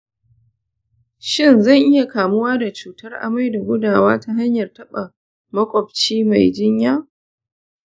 shin zan iya kamuwa da cutar amai da gudawa ta hanyar taɓa maƙwabci mai jinya?